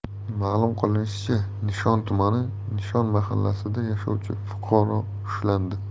ma'lum qilinishicha nishon tumani nishon mahallasida yashovchi fuqaro ushlandi